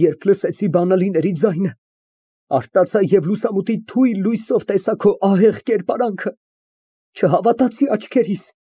Երբ լսեցի բանալիների ձայնը, արթնացա և լուսամուտի թույլ լույսով տեսա քո ահեղ կերպարանքը, չհավատացի աչքերիս։